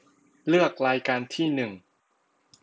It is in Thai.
เลือกรายการที่หนึ่ง